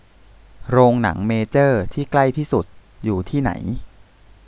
โรงหนังเมเจอร์ที่ใกล้ที่สุดอยู่ที่ไหน